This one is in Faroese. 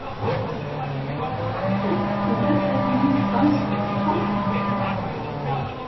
í brúdleypinum dansaðu tey alla náttina